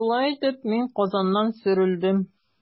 Шулай итеп, мин Казаннан сөрелдем.